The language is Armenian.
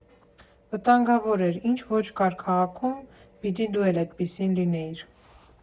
Վտանգավոր էր՝ ինչ ոճ կար քաղաքում, պիտի դու էլ այդպիսին լինեիր։